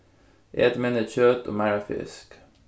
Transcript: et minni kjøt og meira fisk